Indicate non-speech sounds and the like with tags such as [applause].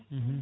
[hesitation] [hesitation]